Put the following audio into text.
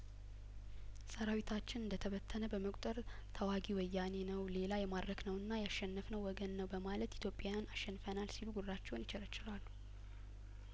ሰራዊታችን እንደተበተነ በመቁጠር ተዋጊ ወያኔ ነው ሌላ የማረክነውና ያሸነፍነው ወገን ነው በማለት ኢትዮጵያን አሸንፈናል ሲሉ ጉራቸውን ይቸረችራሉ